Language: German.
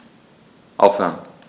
Aufhören.